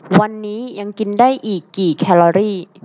วันนี้ยังกินได้อีกกี่แคลอรี่